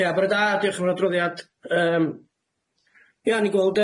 Ia bore da diolch am y adroddiad yym ia o'n i'n gweld